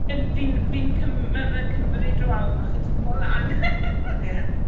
Fe'n fi'n fi'n cym, ma' fe'n cymryd ryw awr fach i twymo lan. ie.